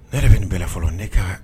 Ne yɛrɛ bɛ nin bɛ fɔlɔ ne kan